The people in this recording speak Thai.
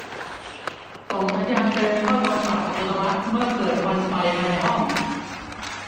ส่งสัญญาณเตือนเข้าโทรศัพท์อัตโนมัติเมื่อเกิดควันไฟภายในห้อง